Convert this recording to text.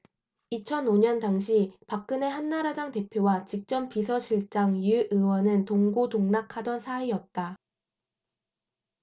이천 오 년 당시 박근혜 한나라당 대표와 직전 비서실장 유 의원은 동고동락하던 사이었다